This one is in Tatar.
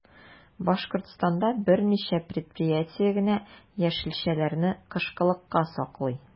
Башкортстанда берничә предприятие генә яшелчәләрне кышкылыкка саклый.